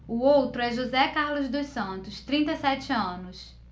o outro é josé carlos dos santos trinta e sete anos